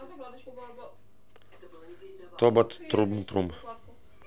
тобот трум трум